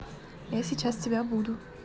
я сейчас тебя буду